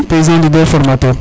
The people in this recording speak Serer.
paysan leaders formateur